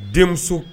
Denmuso